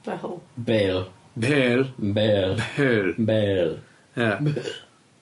Behl. Behl. Behl. Behl. Behl. Behl. Ia. My- yy.